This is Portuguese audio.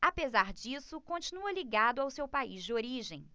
apesar disso continua ligado ao seu país de origem